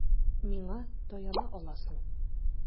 Миңа таяна аласың.